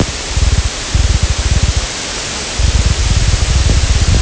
салют давай просматривается